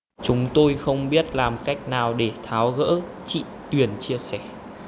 chúng tôi không biết làm cách nào để tháo gỡ chị tuyền chia sẻ